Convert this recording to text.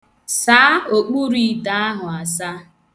Saa okpuru ite ahụ asa.